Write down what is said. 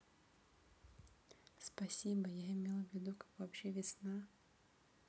спасибо я имел ввиду как вообще весна